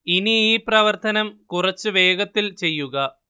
ഇനി ഈ പ്രവർത്തനം കുറച്ചു വേഗത്തിൽ ചെയ്യുക